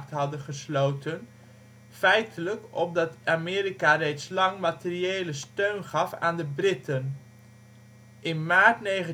hadden gesloten, feitelijk omdat Amerika reeds lang materiële steun gaf aan de Britten. In maart 1941